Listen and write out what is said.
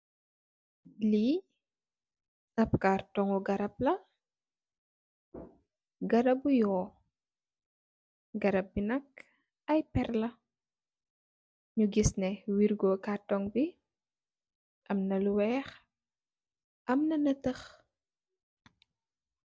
Lee ab cartoongu garab la, garabu yuu garabe nak aye perrla nu gissne werrgo cartoon be amna lu weehe am na neeteh.